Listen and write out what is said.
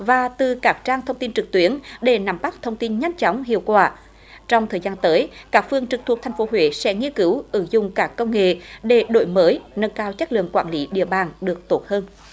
và từ các trang thông tin trực tuyến để nắm bắt thông tin nhanh chóng hiệu quả trong thời gian tới các phường trực thuộc thành phố huế sẽ nghiên cứu ứng dụng các công nghệ để đổi mới nâng cao chất lượng quản lý địa bàn được tốt hơn